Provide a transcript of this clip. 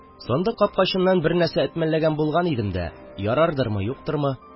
– сандык капкачыннан бер нәрсә әтмәлләгән булган идем дә, ярардырмы, юктырмы.